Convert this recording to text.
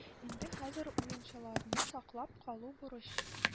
Инде хәзер уенчыларны саклап калу бурыч